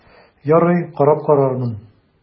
Ярый, карап карармын...